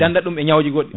danda ɗum e ñawuji goɗɗi